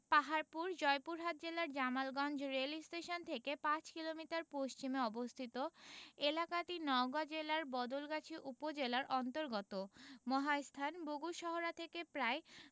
পাহাড়পুর জয়পুরহাট জেলার জামালগঞ্জ রেলস্টেশন থেকে ৫ কিলোমিটার পশ্চিমে অবস্থিত এলাকাটি নওগাঁ জেলার বদলগাছি উপজেলার অন্তর্গত মহাস্থান বগুড়া শহর থেকে প্রায়